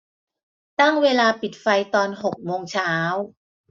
ตั้งเวลาปิดไฟตอนหกโมงเช้า